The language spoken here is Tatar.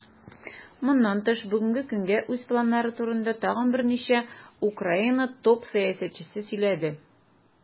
Моннан тыш, бүгенге көнгә үз планнары турында тагын берничә Украина топ-сәясәтчесе сөйләде.